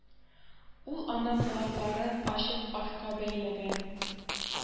Ул аны колакларын ачып артка бәйләгән